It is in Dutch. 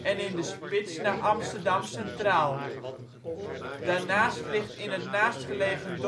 en in de spits naar Amsterdam Centraal. Daarnaast ligt in het naastgelegen